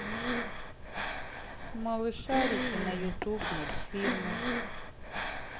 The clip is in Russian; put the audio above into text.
малышарики на ютубе мультфильмы